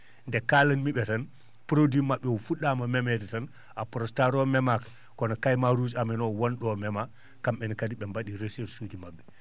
nde kalan mii?e tan produit ma??e oo fu??aama memeede tan prono (apronstar ) o memaaka kono caiman rouge amen o won?o memaa kam?e ne kadi ?e mba?ii recherche uji ma??e